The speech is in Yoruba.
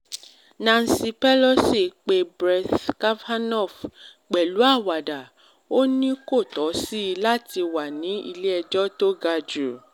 Nancy Pelosi pe Brett Kavanaugh pẹ̀lú àwàdá, ó ní, kò tọ́ si i láti wà ní Ilé-ẹjọ́ tó gajù.